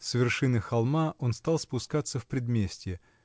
С вершины холма он стал спускаться в предместье.